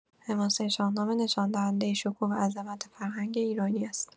حماسۀ شاهنامه نشان‌دهندۀ شکوه و عظمت فرهنگ ایرانی است.